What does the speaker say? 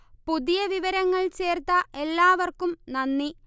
പുതിയ വിവരങ്ങൾ ചേർത്ത എല്ലാവർക്കും നന്ദി